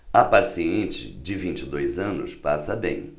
a paciente de vinte e dois anos passa bem